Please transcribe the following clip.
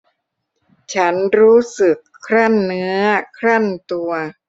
ฉันรู้สึกครั่นเนื้อครั่นตัว